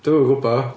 Dwi'm yn gwbod.